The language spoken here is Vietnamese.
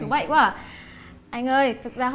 chú bậy quá à anh ơi thực ra